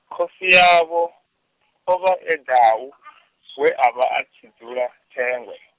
khosi yavho, o vha e Dau, we a vha a tshi dzula, Thengwe.